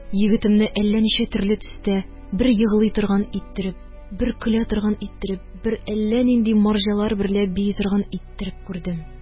Егетемне әллә ничә төрле төстә, бер еглый торган иттереп, бер көлә торган иттереп, бер әллә нинди марҗалар берлә бии торган иттереп күрдем.